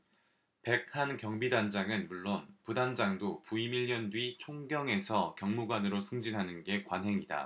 백 한 경비단장은 물론 부단장도 부임 일 년 뒤 총경에서 경무관으로 승진하는 게 관행이다